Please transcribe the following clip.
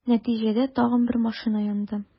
Нәтиҗәдә, тагын бер машина янды.